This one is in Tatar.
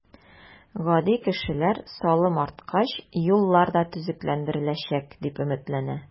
Гади кешеләр салым арткач, юллар да төзекләндереләчәк, дип өметләнә.